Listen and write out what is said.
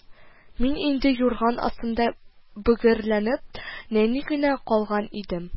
Мин инде юрган астында бөгәрләнеп, нәни генә калган идем